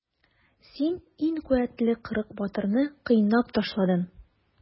Син иң куәтле кырык батырны кыйнап ташладың.